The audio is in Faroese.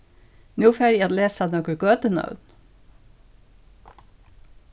nú fari eg at lesa nøkur gøtunøvn